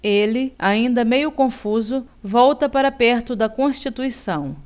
ele ainda meio confuso volta para perto de constituição